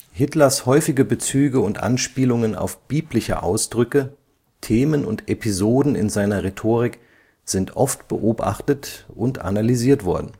Hitlers häufige Bezüge und Anspielungen auf biblische Ausdrücke, Themen und Episoden in seiner Rhetorik sind oft beobachtet und analysiert worden